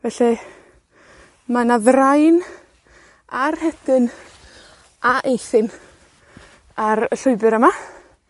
Felly, ma' 'na ddrain, a rhedyn, a eithin ar y llwybyr yma.